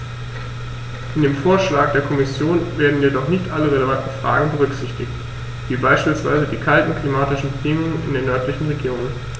In dem Vorschlag der Kommission werden jedoch nicht alle relevanten Fragen berücksichtigt, wie beispielsweise die kalten klimatischen Bedingungen in den nördlichen Regionen.